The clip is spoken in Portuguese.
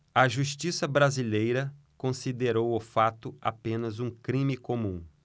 a justiça brasileira considerou o fato apenas um crime comum